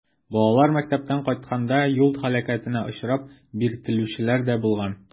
Балалар мәктәптән кайтканда юл һәлакәтенә очрап, биртелүчеләр дә булган.